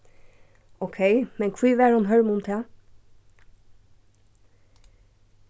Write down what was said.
ókey men hví var hon hørm um tað